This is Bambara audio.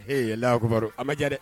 Ee la kibaru a maja dɛ